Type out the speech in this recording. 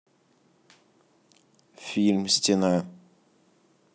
фильм стена